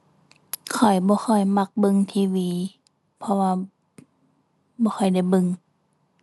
ข้อยบ่ค่อยมักเบิ่ง TV เพราะว่าบ่ค่อยได้เบิ่ง